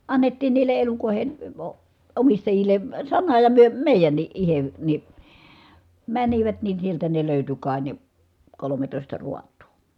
annettiin niille elukoiden -- omistajille sana ja me meidänkin itse niin menivät niin sieltä ne löytyi kai ne kolmetoista raatoa